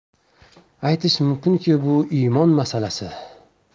aytish mumkinki bu imon masalasi